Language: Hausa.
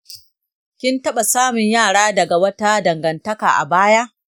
kin taɓa samun yara daga wata dangantaka a baya?